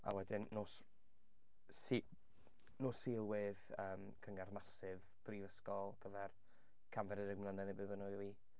A wedyn nos su- nos Sul wedd yym cyngerdd massive brifysgol ar gyfer 140 mlynedd, neu be bynnag yw hi.